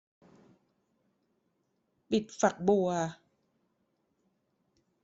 ปิดฝักบัว